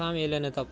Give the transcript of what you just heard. ham elini topar